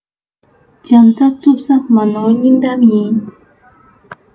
འཇམ ས རྩུབ ས མ ནོར སྙིང གཏམ ཡིན